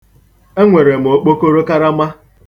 Enwere m okpokoro karama.